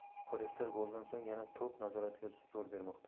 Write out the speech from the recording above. koreyslar goldan so'ng yana to'p nazoratiga zo'r bermoqda